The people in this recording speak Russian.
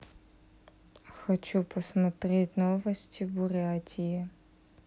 хочу посмотреть новости бурятии